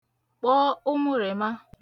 kpọ ụmụrịma